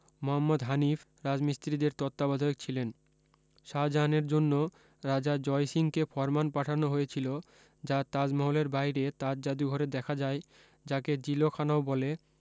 মোহম্মদ হানিফ রাজমিস্ত্রিদের তত্ববধায়ক ছিলেন শাহ জাহানের জন্য রাজা জয় সিং কে ফরমান পাঠানো হয়েছিলো যা তাজ মহলের বাইরে তাজ যাদুঘরে দেখা যায় যাকে জিলো খানাও বলে